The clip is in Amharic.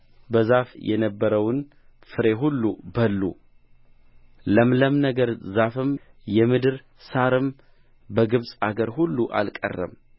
በዛፉ የነበረውን ፍሬ ሁሉ በሉ ለምለም ነገር ዛፍም የምድር ሣርም በግብፅ አገር ሁሉ አልቀረም